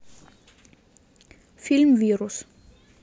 фильм вирус